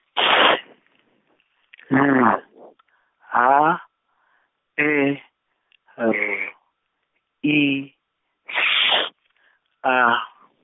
T L H E R I S A.